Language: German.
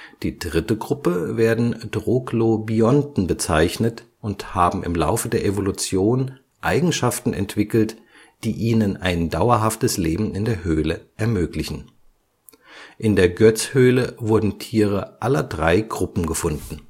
Die dritte Gruppe werden Troglobionten bezeichnet und haben im Laufe der Evolution Eigenschaften entwickelt, die ihnen ein dauerhaftes Leben in der Höhle ermöglichen. In der Goetz-Höhle wurden Tiere aller drei Gruppen gefunden